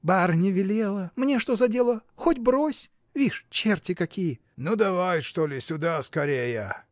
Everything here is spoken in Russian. – Барыня велела; мне что за дело, хоть брось! вишь, черти какие! – Ну, давай, что ли, сюда скорее